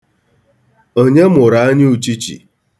Onye mụrụ anya uchichi?